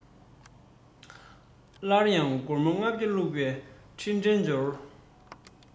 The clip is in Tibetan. སླར ཡང སྒོར མོ ལྔ བརྒྱ བླུག པའི འཕྲིན ཕྲན འབྱོར